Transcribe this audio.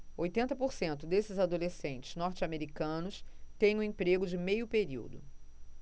oitenta por cento desses adolescentes norte-americanos têm um emprego de meio período